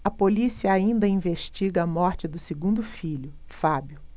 a polícia ainda investiga a morte do segundo filho fábio